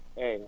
eeyi